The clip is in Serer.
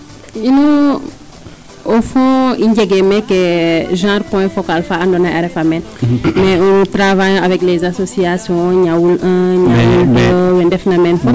Ino o foo, i njegee meeke genre point focale fa andoona yee a refa meen mais nous travaillons avec les association Niawoul 1 Niawoul 2 wee ndefna meen fop.